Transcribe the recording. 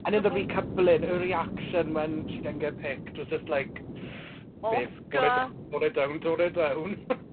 And in the recoupling, her reaction when she didn't get picked was just like... Oscar! ...Tone her down, tone her down.